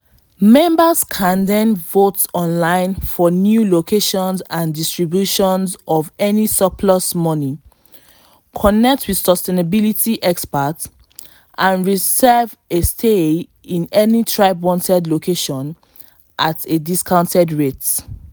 Members can then vote online for new locations and distribution of any surplus money, connect with sustainability experts, and reserve a stay at any TribeWanted location at a discounted rate.